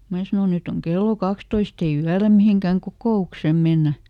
minä sanoin nyt on kello kaksitoista ei yöllä mihinkään kokoukseen mennä